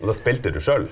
og da spilte du sjøl?